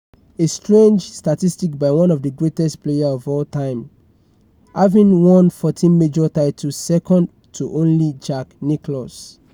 A strange statistic by one of the greatest players of all-time, having won 14 major titles second to only Jack Nicklaus.